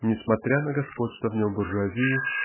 несмотря на господство в нем буржуазии